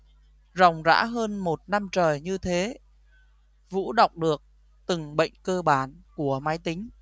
ròng rã hơn một năm trời như thế vũ đọc được từng bệnh cơ bản của máy tính